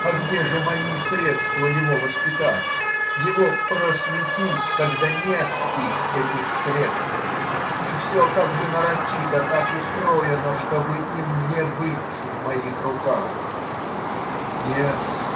А где же мои средства его воспитать, его просветить, когда нет их, этих средств, и все как бы нарочито так устроено, чтобы им не быть в моих руках? Нет